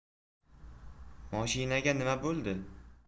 moshinaga nima bo'ldi